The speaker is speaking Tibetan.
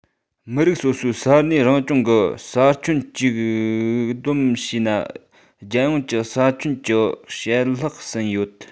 མི རིགས སོ སོའི ས གནས རང སྐྱོང གི ས ཁྱོན གཅིག བསྡོམས བྱས ན རྒྱལ ཡོངས ཀྱི ས ཁྱོན གྱི ཕྱེད ལྷག ཟིན ཡོད